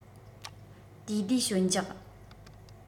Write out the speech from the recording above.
དུས བདེ ཞོད འཇགས